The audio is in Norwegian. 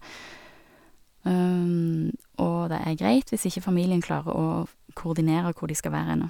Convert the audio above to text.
Og det er greit hvis ikke familien klarer å koordinere hvor de skal være henne.